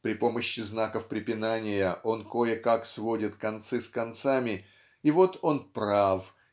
При помощи знаков препинания он кое-как сводит концы с концами -- и вот он прав